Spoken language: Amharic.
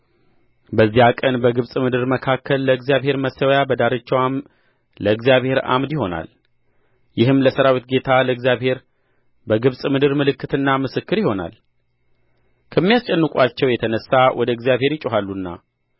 በዚያ ቀን በግብጽ ምድር መካከል ለእግዚአብሔር መሠዊያ በዳርቻዋም ለእግዚአብሔር ዓምድ ይሆናል ይህም ለሠራዊት ጌታ ለእግዚአብሔር በግብጽ ምድር ምልክትና ምስክር ይሆናል ከሚያስጨንቁአቸው የተነሣ ወደ እግዚአብሔር ይጮኻሉና